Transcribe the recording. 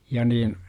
ja niin